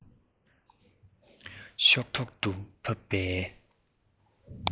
ཤོག ཐོག ཏུ ཕབ པའི